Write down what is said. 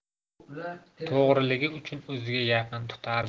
to'g'riligi uchun o'ziga yaqin tutardi